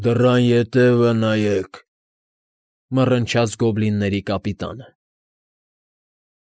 Դռան ետևը նայեք,֊ մռնչաց գոբլինների կապիտանը։